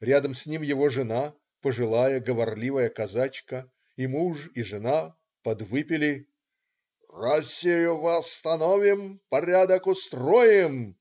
Рядом с ним его жена пожилая, говорливая казачка. И муж и жена подвыпили. "Россию восстановим! Порядок устроим!